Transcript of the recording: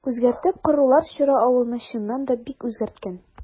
Үзгәртеп корулар чоры авылны, чыннан да, бик үзгәрткән.